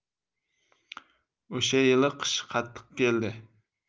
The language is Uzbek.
o'sha yili qish qattiq keldi